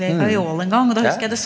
ja.